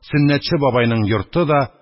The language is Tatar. Сөннәтче бабайның йорты да,